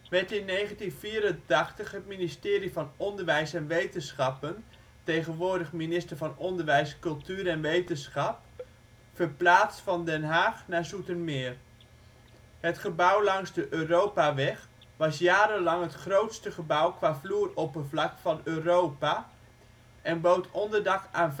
werd in 1984 het Ministerie van Onderwijs en Wetenschappen, tegenwoordig Ministerie van Onderwijs, Cultuur en Wetenschap, verplaatst van Den Haag naar Zoetermeer. Het gebouw langs de Europaweg was jarenlang het grootste gebouw qua vloeroppervlakte van Europa en bood onderdak aan